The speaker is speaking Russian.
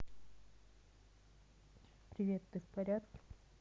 привет ты в порядке